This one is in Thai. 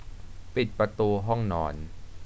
ปิดประตูห้องนอน